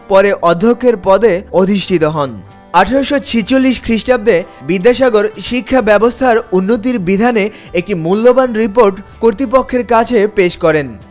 পরে অধ্যক্ষের পদে অধিষ্ঠিত হন ১৮৪৬ খ্রিস্টাব্দে বিদ্যাসাগর শিক্ষা ব্যবস্থার উন্নতি বিধানে একটি মূল্যবান রিপোর্ট কর্তৃপক্ষের কাছে পেশ করেন